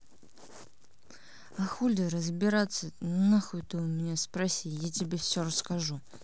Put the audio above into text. а хуле разбираться нахуй ты у меня спроси я тебе все расскажу